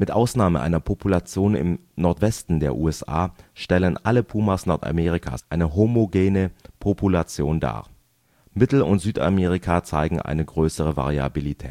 Ausnahme einer Population im Nordwesten der USA stellen alle Pumas Nordamerikas eine homogene Population dar. Mittel - und Südamerika zeigen eine größere Variabilität